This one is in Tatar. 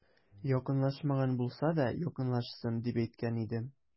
Якынлашмаган булса да, якынлашсын, дип әйткән идем.